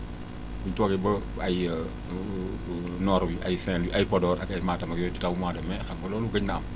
bu ñu toogee ba ay nord bi ay Saint-Louis ay Podor ak ay Matam ak yooyu di taw mois de mai xam nga loolu gëj na am